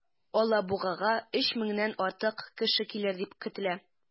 Алабугага 3 меңнән артык кеше килер дип көтелә.